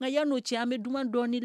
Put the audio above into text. Nka yani o cɛ, an bɛ dunan dɔnɔni